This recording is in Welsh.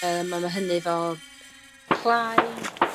Yym a ma' hynny efo clai,